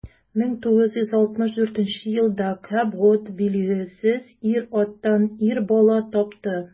1964 елда кэбот билгесез ир-аттан ир бала тапты.